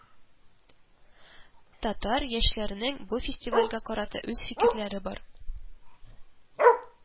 Татар яшьләренең бу фестивальгә карата үз фикерләре бар